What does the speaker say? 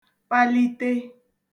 palite